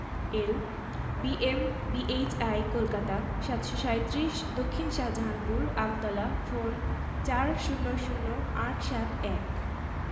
সর্ব প্রকার দুর্বলতা দূরীকরণের জন্য আল্ ফা গোল্ড টনিক বল বীর্য ও শক্তির জন্য হোমিও ভিটামিন এখানে মানসিক রোগ এ্যজমা ক্যান্সার গ্যাস্ট্রিক মুত্রপাথড়ী পিত্তপাথড়ী অম্লশূল